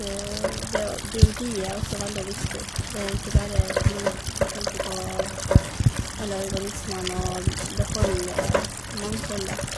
det Og biologi er også veldig viktig, det er ikke bare kjemi, med tanke på alle organismene og beholde mangfoldet.